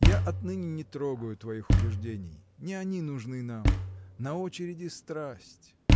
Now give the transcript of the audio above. Я отныне не трогаю твоих убеждений: не они нужны нам, — на очереди страсть.